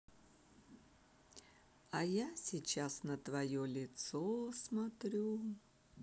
а я сейчас на твое лицо смотрю